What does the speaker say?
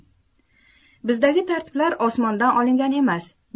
bizdagi tartiblar osmondan olingan emas